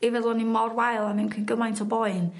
I feddwl o'n i mor wael a mewn cyn gymaint o boen